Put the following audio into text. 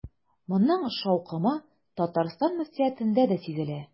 Моның шаукымы Татарстан мөфтиятендә дә сизелә.